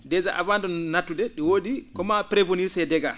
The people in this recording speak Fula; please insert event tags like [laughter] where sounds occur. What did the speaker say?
déjà avant de naattude ?i woodi [smacks lips] comment prévenir ces dégat